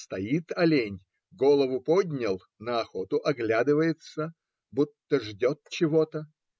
Стоит олень, голову поднял, на охоту оглядывается, будто ждет чего-то.